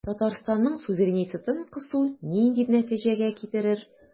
Татарстанның суверенитетын кысу нинди нәтиҗәгә китерер?